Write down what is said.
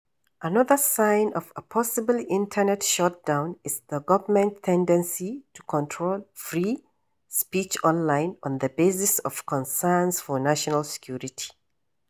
Another sign of a possible internet shut down is the government’s tendency to control free speech online on the basis of concerns for national security.